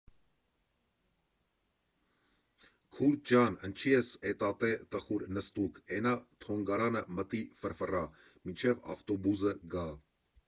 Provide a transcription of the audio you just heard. ֊ Քուր ջան, ընչի՞ ես էտատե տխուր նստուկ, էնա թոնգարանը մտի ֆռֆռա, մինչև ավտոբուզը գա։